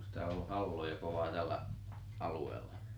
onkos täällä ollut halloja kovaa tällä alueella